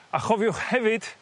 A chofiwch hefyd